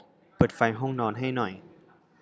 เปิดไฟห้องนอนให้หน่อย